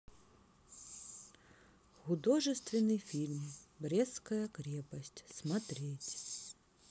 художественный фильм брестская крепость смотреть